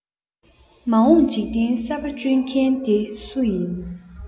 མ འོངས འཇིག རྟེན གསར བ བསྐྲུན མཁན དེ སུ ཡིན